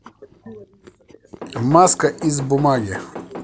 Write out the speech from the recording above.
маска из бумаги